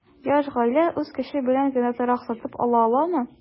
Яшь гаилә үз көче белән генә торак сатып ала аламы?